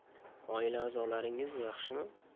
oila a'zolaringiz yaxshimi